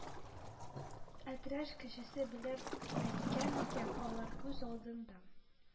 Әтрәч кешесе белеп әйткән икән: алар күз алдында